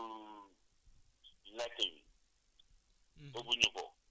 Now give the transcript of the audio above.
donc su amul lekk yi